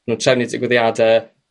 mae n'w'n trefnu'r digwyddiade